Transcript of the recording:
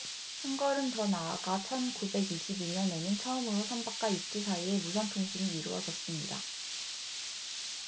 한 걸음 더 나아가 천 구백 이십 이 년에는 처음으로 선박과 육지 사이에 무선 통신이 이루어졌습니다